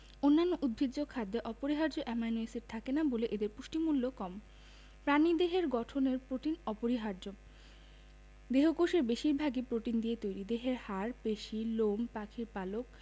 অন্যান্য উদ্ভিজ্জ খাদ্যে অপরিহার্য অ্যামাইনো এসিড থাকে না বলে এদের পুষ্টিমূল্য কম প্রাণীদেহের গঠনে প্রোটিন অপরিহার্য দেহকোষের বেশির ভাগই প্রোটিন দিয়ে তৈরি দেহের হাড় পেশি লোম পাখির পালক